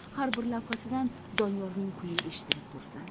har bir lavhasidan doniyorning kuyi eshitilib tursin